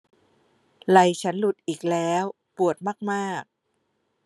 ไหล่ฉันหลุดอีกแล้วปวดมากมาก